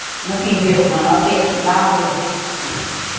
nó kì diệu mà nó tiện bao việc nhở